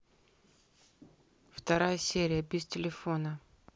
вторая серия без телефона